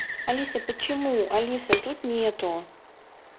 алиса почему алиса тут нету